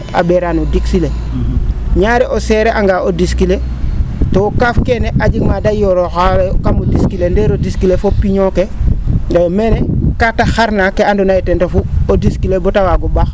a ?eeraa no disque le ñaare o seere'anga o disque le to kaaf keene ka jeg maade yoorooxa kam o disque le ndeero disque le fo piño ke meene kate xarna kee andoona yee ten ref o disque le bata waago ?ax